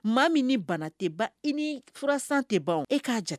Maa min ni bana tɛ ban i ni furusan tɛ ban e k'a jate